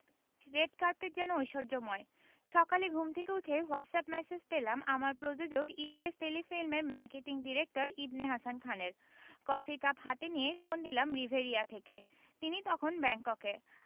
red carpet যেন ঐশ্বর্যময় সকালে ঘুম থেকে উঠেই হোয়াটসঅ্যাপ ম্যাসেজ পেলাম আমার প্রযোজক ইমপ্রেস টেলিফিল্মের মার্কেটিং ডিরেক্টর ইবনে হাসান খানের কফির কাপ হাতেই নিয়ে ফোন দিলাম রিভেরিয়া থেকে তিনি তখন ব্যাংককে